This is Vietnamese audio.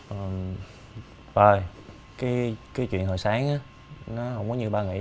ờm ba ơi cái cái chuyện hồi sáng á nó hông có như ba nghĩ